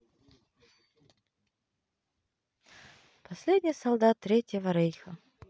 последний солдат третьего рейха